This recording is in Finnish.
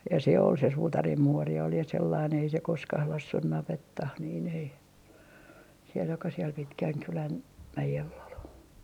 ja se oli se suutarin muori oli ja sellainen ei se koskaan laskenut navettaan niin ei siellä joka siellä Pitkänkylän mäellä oli